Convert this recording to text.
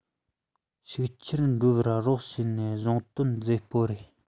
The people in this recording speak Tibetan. ཤུགས ཆེར འགྲོ བར རོགས བྱས ནས གཞུང དོན འཛད སྤྱོད རེད